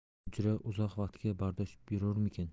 hujra uzoq vaqtga bardosh berurmikin